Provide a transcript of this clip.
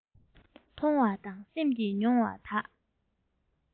མཐོང བ དང སེམས ཀྱི མྱོང བ དག